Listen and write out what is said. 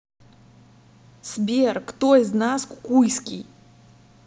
сбер кто из нас кукуйский